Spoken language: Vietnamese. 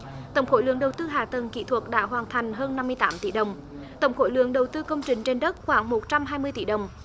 tổng khối lượng đầu tư hạ tầng kỹ thuật đã hoàn thành hơn năm mươi tám tỷ đồng tổng khối lượng đầu tư công trình trên đất khoảng một trăm hai mươi tỷ đồng